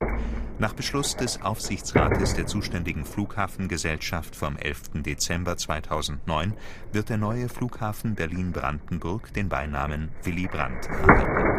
Nach Beschluss des Aufsichtsrates der zuständigen Flughafengesellschaft vom 11. Dezember 2009 wird der neue Flughafen Berlin Brandenburg den Beinamen Willy Brandt erhalten